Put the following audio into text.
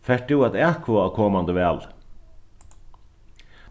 fert tú at atkvøða á komandi vali